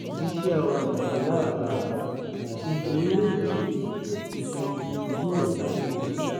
Iṣẹ́ ọnà aláràbarà ti orí òrùlé ibi ìbojúwòta gígùn.